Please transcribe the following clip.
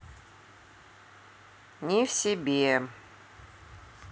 не в себе